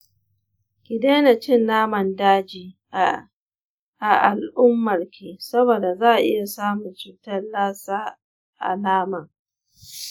ki daina cin naman daji a al'ummarki saboda za'a iya samun cutar lassa a naman.